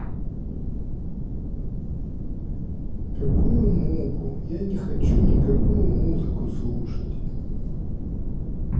какую муку я не хочу никакую музыку слушать